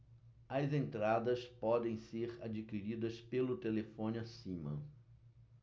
as entradas podem ser adquiridas pelo telefone acima